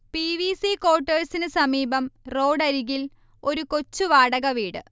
P. V. C ക്വാർട്ടേഴ്സിന് സമീപം റോഡരികിൽ ഒരു കൊച്ചുവാടകവീട്